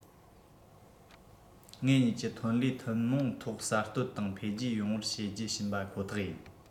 ངེད གཉིས ཀྱི ཐོན ལས ཐུན མོང ཐོག གསར གཏོད དང འཕེལ རྒྱས ཡོང བར བྱེད རྒྱུ བྱིན པ ཁོ ཐག ཡིན